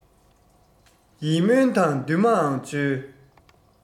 ཡིད སྨོན དང འདུན མའང བཅོལ